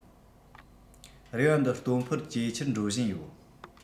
རེ བ འདི ལྟོ ཕོར ཇེ ཆེར འགྲོ བཞིན ཡོད